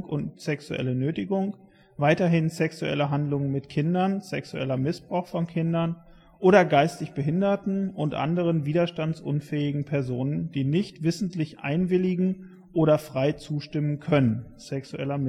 und sexuelle Nötigung, weiterhin sexuelle Handlungen mit Kindern (sexueller Missbrauch von Kindern) oder geistig Behinderten und anderen widerstandsunfähigen Personen, die nicht wissentlich einwilligen oder frei zustimmen können (Sexueller Missbrauch